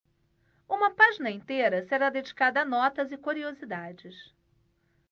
uma página inteira será dedicada a notas e curiosidades